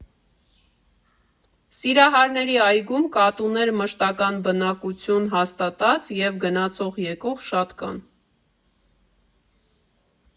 Սիրահարների այգում կատուներ՝ մշտական բնակություն հաստատած և գնացող֊եկող, շատ կան։